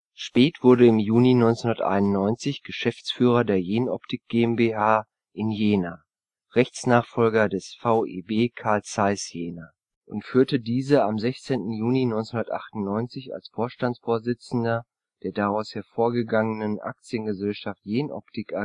Späth wurde im Juni 1991 Geschäftsführer der Jenoptik GmbH in Jena (Rechtsnachfolger des VEB Carl Zeiss Jena) und führte diese am 16. Juni 1998 als Vorstandsvorsitzender der daraus hervorgegangenen Aktiengesellschaft Jenoptik